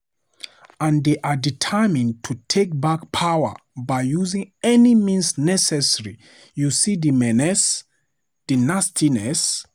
And they're determined to take back power by using any means necessary, you see the meanness, the nastiness.